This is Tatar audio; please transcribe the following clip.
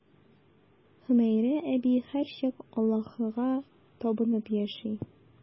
Хөмәйрә әби һәрчак Аллаһыга табынып яши.